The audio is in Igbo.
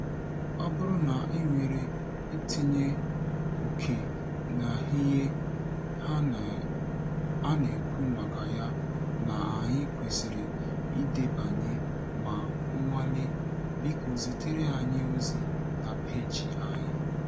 Ọ bụrụ na i nwere ntinye oke na ihe a na-ekwu maka ya na anyị kwesiri idebanye ma nwale biko zitere anyị ozi na peeji anyị.